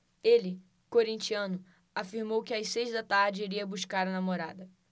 ele corintiano afirmou que às seis da tarde iria buscar a namorada